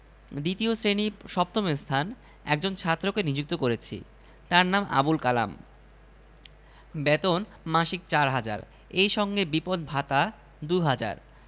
দ্বিতীয় শ্রেণী সপ্তম স্থান একজন ছাত্রকে নিযুক্ত করেছি তার নাম আবুল কালাম বেতন মাসিক চার হাজার এই সঙ্গে বিপদ ভাতা দুহাজার